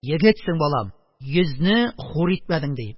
Егетсең, балам, йөзне хур итмәдең, - ди.